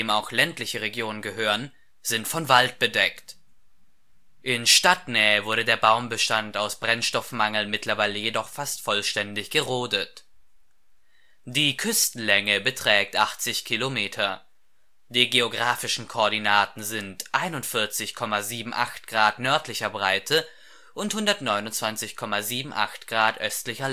auch ländliche Regionen gehören, sind von Wald bedeckt. In Stadtnähe wurde der Baumbestand aus Brennstoffmangel mittlerweile jedoch fast vollständig gerodet. Die Küstenlänge beträgt 80 Kilometer. Die geografischen Koordinaten sind 41,78 Grad nördlicher Breite und 129,78 Grad östlicher